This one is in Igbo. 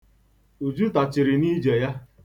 Uju tachiri n'ije ya.